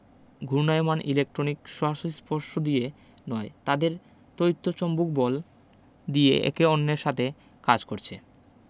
ঘূর্ণায়মান ইলেকট্রন সরাসরি স্পর্শ দিয়ে নয় তাদের তড়িৎ চৌম্বক বল দিয়ে একে অন্যের সাথে কাজ করছে